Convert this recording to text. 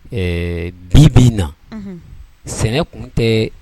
Bi bɛ na sɛnɛ tun tɛ